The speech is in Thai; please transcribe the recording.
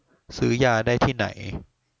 ซื้อยาได้ที่ไหน